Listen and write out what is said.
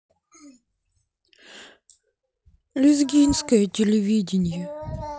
лезгинское телевидение